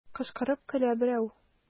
Кычкырып көлә берәү.